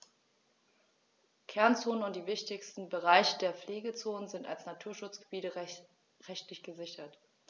Kernzonen und die wichtigsten Bereiche der Pflegezone sind als Naturschutzgebiete rechtlich gesichert.